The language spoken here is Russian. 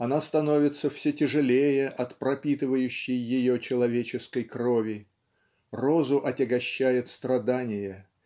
она становится все тяжелее от пропитывающей ее человеческой крови розу отягощает страдание